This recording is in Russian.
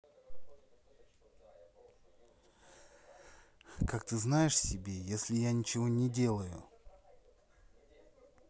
как ты знаешь себе если я ничего не делаю